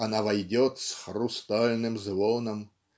Она войдет "с хрустальным звоном"